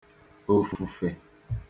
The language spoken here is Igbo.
ofufe